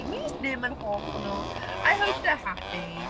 Dwi jyst ddim yn hoff o nhw. I hope they're happy